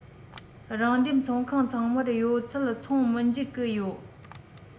རང འདེམས ཚོང ཁང ཚང མར ཡོད ཚད འཚོང མི འཇུག གི ཡོད